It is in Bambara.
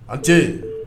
A' ni ce